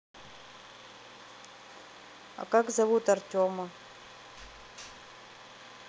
а как зовут артема